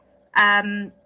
Yym